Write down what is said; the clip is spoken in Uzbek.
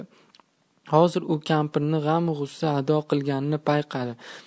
hozir u kampirni g'am g'ussa ado qilganini payqadi